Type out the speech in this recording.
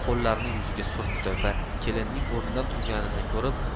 qo'llarini yuziga surtdi va kelinning o'rnidan turganini ko'rib